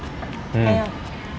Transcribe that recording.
cay hông